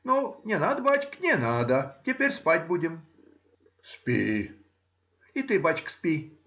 — Ну, не надо, бачка, не надо. Теперь спать будем. — Спи. — И ты, бачка, спи.